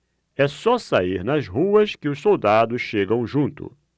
é só sair nas ruas que os soldados chegam junto